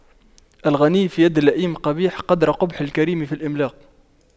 الغنى في يد اللئيم قبيح قدر قبح الكريم في الإملاق